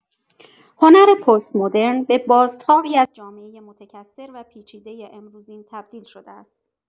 هنر پست‌مدرن، به بازتابی از جامعه متکثر و پیچیده امروزین تبدیل شده است.